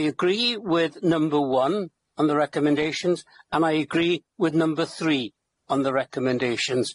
I agree with number one on the recommendations and I agree with number three on the recommendations.